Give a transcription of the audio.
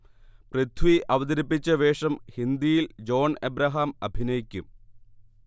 പൃഥ്വി അവതരിപ്പിച്ച വേഷം ഹിന്ദിയിൽ ജോൺ എബ്രഹാം അഭിനയിക്കും